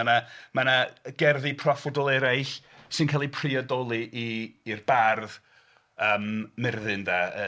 Mae 'na... mae 'na gerddi proffwydol eraill sy'n cael ei priodoli i'r bardd yym Myrddin 'de.